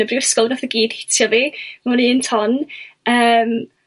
y brifysgol a nath o i gyd hitio fi mewn un ton